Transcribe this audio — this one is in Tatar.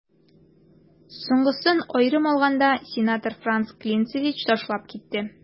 Соңгысын, аерым алганда, сенатор Франц Клинцевич ташлап китте.